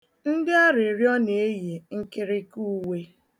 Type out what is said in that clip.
Ndị arịrịọ na-eyi nkịrịka uwe.